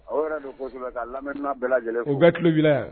O yɛrɛ don kosɛbɛ'a lamɛnina bɛɛ lajɛlen k'u ka tulobi